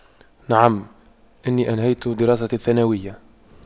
نعم إني أنهيت دراستي الثانوية